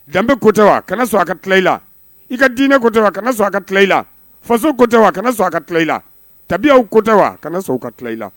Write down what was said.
Danbebe kotɛ wa kana sɔrɔ a ka tile ela i ka diinɛ kotɛ kana s a ka tile ela faso ko tɛ wa kana sɔrɔ a ka tile ela tabiyaw ko tɛ wa kana s a ka tile la